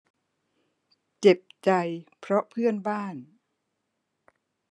เจ็บใจเพราะเพื่อนบ้าน